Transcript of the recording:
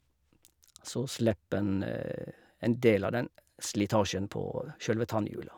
Så slipper en en del av den slitasjen på sjølve tannhjula.